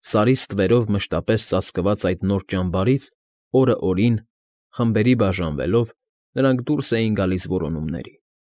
Սարի ստվերով մշտապես ծածկված այդ նոր ճամբարից օրը օրին, խմբերի բաժանվելով, նրանք դուրս էին գալիս որոնումների։